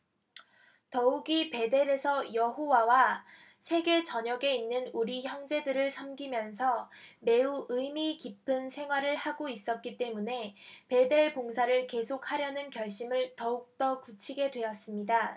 더욱이 베델에서 여호와와 세계 전역에 있는 우리 형제들을 섬기면서 매우 의미 깊은 생활을 하고 있었기 때문에 베델 봉사를 계속하려는 결심을 더욱더 굳히게 되었습니다